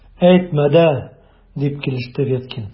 Әйтмә дә! - дип килеште Веткин.